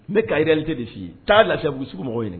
Ne kalite de si yen t'a la'u sigi mɔgɔ ɲini